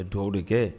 Ka dɔw de kɛ